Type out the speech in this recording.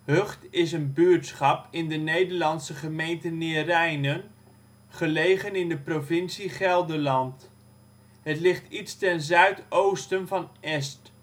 Hucht is een buurtschap in de Nederlandse gemeente Neerijnen, gelegen in de provincie Gelderland. Het ligt iets ten zuidoosten van Est